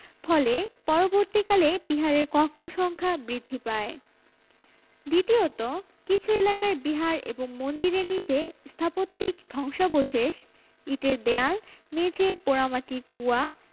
ফলে পরবর্তীকালে বিহারে কক্ষ সংখ্যা বৃদ্ধি পায় দ্বিতীয়ত কিছু এলাকায় বিহার এবং মন্দিরের নিচে স্থাপত্যিক ধ্বংসাবশেষ ইটের দেয়াল মেঝে পোড়ামাটির কুয়া